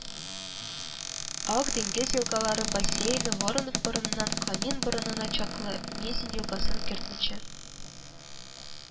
Ак диңгез елгалары бассейны Воронов борынынан Канин борынына чаклы (Мезень елгасын кертмичә)